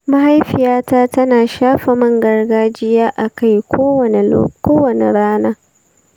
mahaifiyata tana shafa man gargajiya a kai kowace rana.